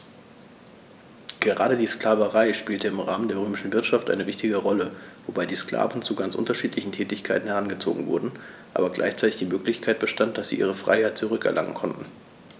Gerade die Sklaverei spielte im Rahmen der römischen Wirtschaft eine wichtige Rolle, wobei die Sklaven zu ganz unterschiedlichen Tätigkeiten herangezogen wurden, aber gleichzeitig die Möglichkeit bestand, dass sie ihre Freiheit zurück erlangen konnten.